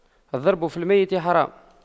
الضرب في الميت حرام